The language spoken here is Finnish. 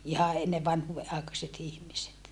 ihan ennen vanhuuden aikaiset ihmiset